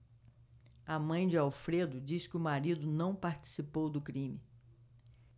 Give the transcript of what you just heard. a mãe de alfredo diz que o marido não participou do crime